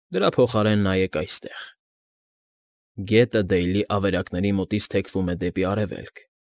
Դրա փոխարեն նայեք այստեղ… Գետը Դեյլի ավերակների մոտից թեքվում է դեպի արևելք։